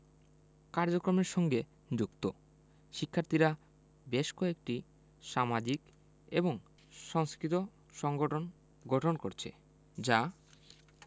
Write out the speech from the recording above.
কার্যক্রমে সঙ্গে যুক্ত শিক্ষার্থীরা বেশ কয়েকটি সামাজিক এবং সংস্কৃত সংগঠন গঠন করছে যা